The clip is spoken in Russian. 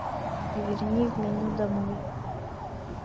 верни в меню домой